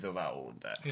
Ia.